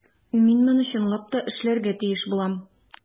Мин моны чынлап та эшләргә тиеш булам.